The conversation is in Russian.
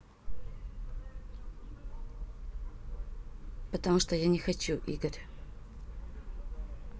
потому что я не хочу игорь